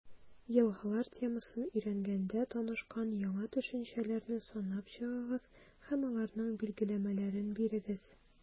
«елгалар» темасын өйрәнгәндә танышкан яңа төшенчәләрне санап чыгыгыз һәм аларның билгеләмәләрен бирегез.